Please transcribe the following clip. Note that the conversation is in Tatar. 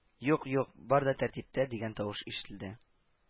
— юк-юк, бар да тәртиптә… — дигән тавыш ишетелде